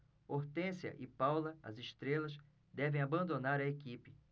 hortência e paula as estrelas devem abandonar a equipe